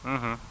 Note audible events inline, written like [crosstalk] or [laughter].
[hesitation] [hesitation]